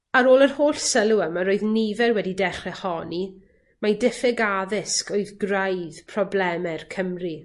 Ar ôl yr holl sylw yma roedd nifer wedi dechre honni mai diffyg addysg oedd graidd probleme'r Cymry.